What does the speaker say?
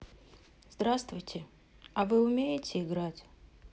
здравствуйте а вы умеете играть